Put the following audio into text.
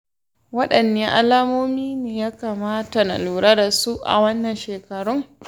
waɗanne alamomi ya kamata na lura da su a wannan shekarun?